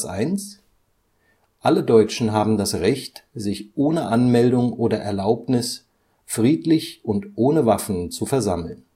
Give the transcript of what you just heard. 1) Alle Deutschen haben das Recht, sich ohne Anmeldung oder Erlaubnis friedlich und ohne Waffen zu versammeln